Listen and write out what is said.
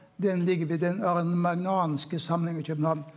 den ligg ved den arnamagnæanske samlinga i København.